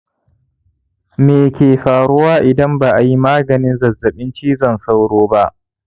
me ke faruwa idan ba a yi maganin zazzaɓin cizon sauro ba